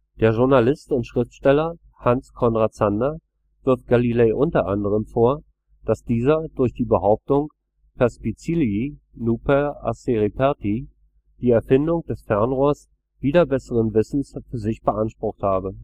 Der Journalist und Schriftsteller Hans Conrad Zander wirft Galilei unter anderem vor, dass dieser durch die Behauptung “perspicilli nuper a se reperti” die Erfindung des Fernrohrs wider besseren Wissens für sich beansprucht habe